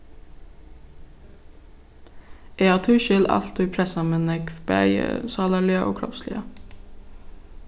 eg havi tískil altíð pressað meg nógv bæði sálarliga og kropsliga